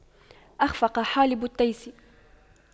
أَخْفَقَ حالب التيس